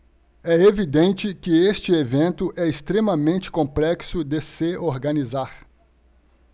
é evidente que este evento é extremamente complexo de se organizar